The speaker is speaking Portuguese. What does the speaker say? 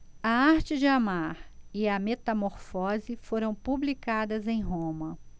a arte de amar e a metamorfose foram publicadas em roma